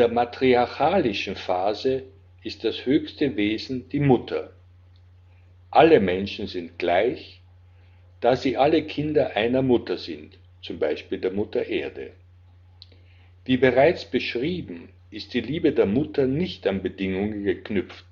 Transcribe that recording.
matriarchalischen Phase ist das höchste Wesen die Mutter. Alle Menschen sind gleich, da sie alle Kinder einer Mutter sind (z. B. der Mutter Erde). Wie bereits beschrieben, ist die Liebe der Mutter nicht an Bedingungen geknüpft